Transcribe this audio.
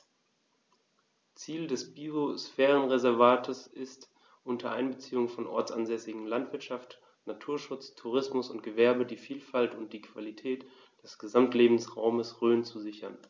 Ziel dieses Biosphärenreservates ist, unter Einbeziehung von ortsansässiger Landwirtschaft, Naturschutz, Tourismus und Gewerbe die Vielfalt und die Qualität des Gesamtlebensraumes Rhön zu sichern.